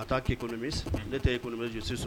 A taa k'i kɔnɔmi ne tɛ iimi sisan